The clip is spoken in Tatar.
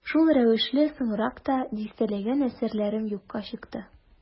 Шул рәвешле соңрак та дистәләгән әсәрләрем юкка чыкты.